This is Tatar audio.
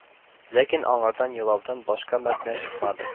Ләкин аңардан елаудан башка мәгънә чыкмады